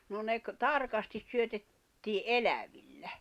no ne - tarkasti syötettiin elävillä